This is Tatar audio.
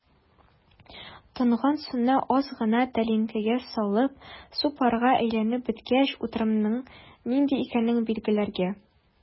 Тонган суны аз гына тәлинкәгә салып, су парга әйләнеп беткәч, утырымның нинди икәнен билгеләргә.